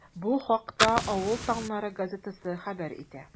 Бу хакта “Авыл таңнары” газетасы хәбәр итә.